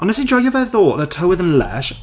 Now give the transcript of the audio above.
Ond wnes i'n joio fe ddoe. Oedd y tywydd yn lysh...